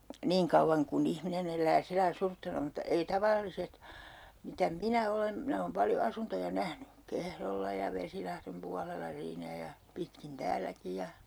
niin kauan kuin ihminen elää sillä lailla suruttomana mutta ei tavalliset mitä minä olen minä olen paljon asuntoja nähnyt Kehrolla ja Vesilahden puolella siinä ja pitkin täälläkin ja